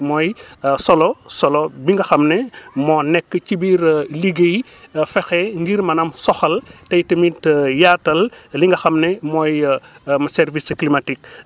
mooy solo solo bi nga xam ne moo nekk ci biir liggéey fexe ngir maanaam soxal te tamit yaatal li nga xam ne mooy service climatique